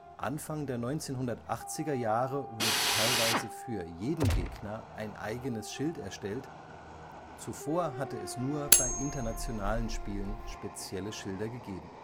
Anfang der 1980er Jahre wurde teilweise für jeden Gegner ein eigenes Schild erstellt, zuvor hatte es nur bei internationalen Spielen spezielle Schilder gegeben